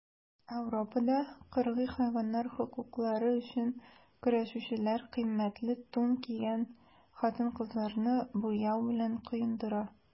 Ауропада кыргый хайваннар хокуклары өчен көрәшүчеләр кыйммәтле тун кигән хатын-кызларны буяу белән коендыра.